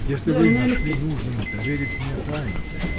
Если вы нашли нужным доверить мне тайну.